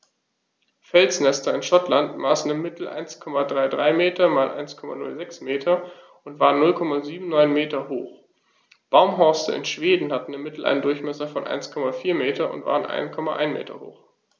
Felsnester in Schottland maßen im Mittel 1,33 m x 1,06 m und waren 0,79 m hoch, Baumhorste in Schweden hatten im Mittel einen Durchmesser von 1,4 m und waren 1,1 m hoch.